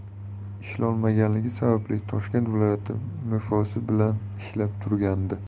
toshkent viloyat mfo si bilan ishlab turgandi